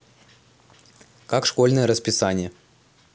как школьное расписание